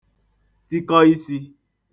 tikọ isī